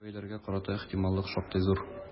Югары бәяләргә карата ихтималлык шактый зур.